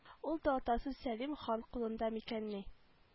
Ул да атасы сәлим хан кулында микәнни